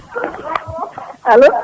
alo